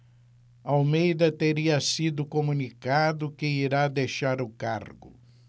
almeida teria sido comunicado que irá deixar o cargo